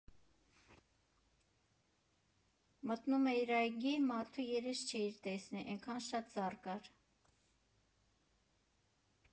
Մտնում էիր այգի, մարդու երես չէիր տեսնի, էնքան շատ ծառ կար։